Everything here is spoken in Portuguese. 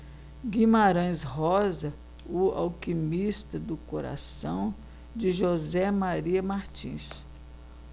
guimarães rosa o alquimista do coração de josé maria martins